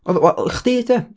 Oedd o- wel, chdi, de?